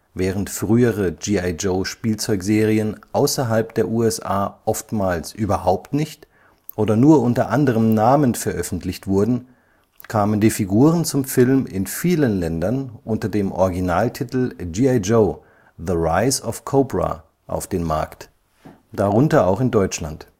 Während frühere „ G.I.-Joe “- Spielzeugserien außerhalb der USA oftmals überhaupt nicht oder nur unter anderem Namen veröffentlicht wurden, kamen die Figuren zum Film in vielen Ländern unter dem Originaltitel G.I. Joe: The Rise of Cobra auf den Markt, darunter auch in Deutschland